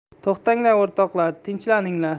to'xtanglar o'rtoqlar tinchlaninglar